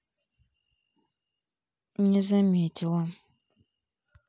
не заметила